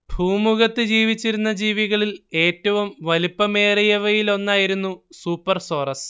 ഭൂമുഖത്ത് ജീവിച്ചിരുന്ന ജീവികളിൽ ഏറ്റവും വലിപ്പമേറിയവയിലൊന്നായിരുന്നു സൂപ്പർസോറസ്